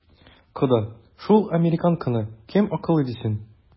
Кода, шул американканы кем акыллы дисен?